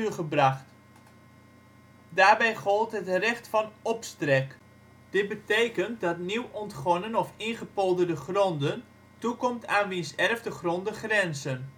gebracht. Daarbij gold het recht van opstrek. Dit betekent dat nieuw ontgonnen of ingepolderde gronden toekomt aan wiens erf de gronden grenzen